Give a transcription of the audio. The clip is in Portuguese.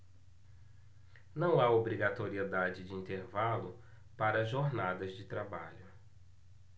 não há obrigatoriedade de intervalo para jornadas de trabalho